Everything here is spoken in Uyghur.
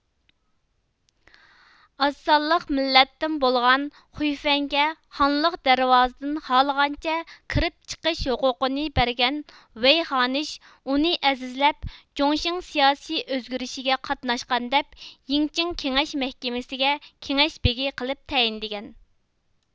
ئاز سانلىق مىللەتتىن بولغان خۈيفەنگە خانلىق دەرۋازىدىن خالىغانچە كىرىپ چىقىش ھوقۇقىنى بەرگەن ۋېي خانىش ئۇنى ئەزىزلەپ جوڭشىڭ سىياسىي ئۆزگۈرۈشىگە قاتناشقان دەپ يىڭچىڭ كېڭەش مەھكىمسىگە كېڭەش بېگى قىلىپ تەيىنلىگەن